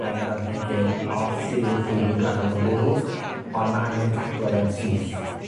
wen ar y planhigyn os yw'r llwydni gwlanog yn bwrw, ond ma' angen taclo fe'n syth.